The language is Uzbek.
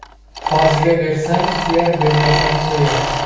qoziga bersang suyar bermasang so'yar